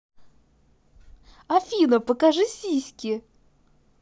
афина покажи сиськи